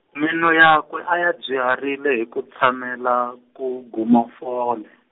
meno yakwe a ya dzwiharile hi ku tshamela, ku guma fole.